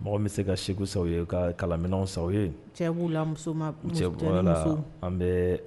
Mɔgɔ min bi se ka segu sa ye ka kalanmininw san u ye cɛ bo la muso an bɛ